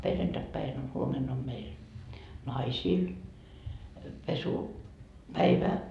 perjantaipäivänä on huomenna on meillä naisilla - pesupäivä